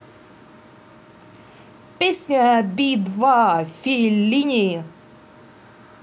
песня би два феллини